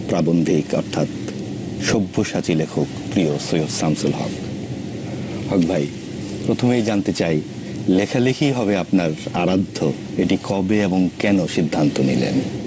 প্রাবন্ধিক অর্থাৎ সব্যসাচী লেখক প্রিয় সৈয়দ শামসুল হক হক ভাই প্রথমে জানতে চাই লেখালিখি হবে আপনার আরাধ্য এটি কবে এবং কেন সিদ্ধান্ত নিলেন